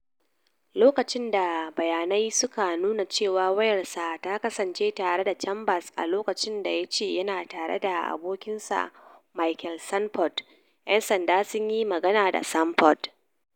Lokacin da bayanai suka nuna cewa wayarsa ta kasance tare da Chambers 'a lokacin da ya ce yana tare da abokinsa Michael Sanford,' yan sanda sun yi magana da Sanford.